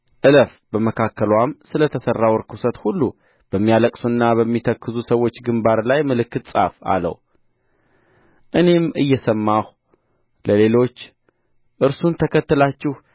እለፍ በመካከልዋም ስለ ተሠራው ርኵሰት ሁሉ በሚያለቅሱና በሚተክዙ ሰዎች ግምባር ላይ ምልክት ጻፍ አለው እኔም እየሰማሁ ለሌሎቹ እርሱን ተከትላችሁ